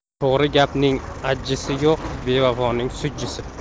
to'g'ri gapning ajjisi yo'q bevafoning sujjisi